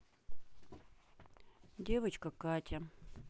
девочка катя